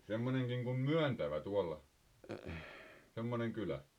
Semmoinenkin kuin Myöntävä tuolla semmoinen kylä